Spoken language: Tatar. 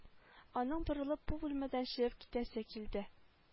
Аның борылып бу бүлмәдән чыгып китәсе килде